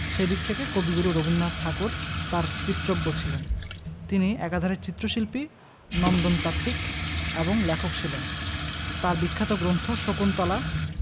সে দিক থেকে কবিগুরু রবীন্দ্রনাথ ঠাকুর তার পিতৃব্য ছিলেন তিনি একাধারে চিত্রশিল্পী নন্দনতাত্ত্বিক এবং লেখক ছিলেন তার বিখ্যাত গ্রন্থ শকুন্তলা